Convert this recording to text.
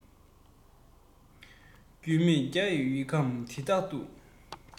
རྒྱུས མེད རྒྱ ཡི ཡུལ ཁམས འདི དག ཏུ